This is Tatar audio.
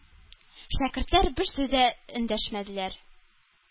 Шәкертләр бер сүз эндәшмәделәр.